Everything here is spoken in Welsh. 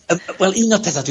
Yym, wel un o'r petha dwi